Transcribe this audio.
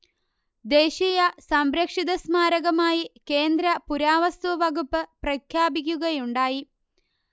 ദേശീയ സംരക്ഷിതസ്മാരകമായി കേന്ദ്ര പുരാവസ്തുവകുപ്പ് പ്രഖ്യാപിക്കുകയുണ്ടായി